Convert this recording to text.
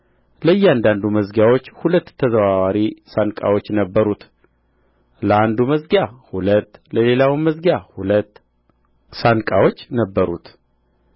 ለእያንዳንዱ መዝጊያም ሁለት ተዘዋዋሪ ሳንቃዎች ነበሩት ለአንዱ መዝጊያ ሁለት ለሌላውም መዝጊያ ሁለት ሳንቃዎች ነበሩት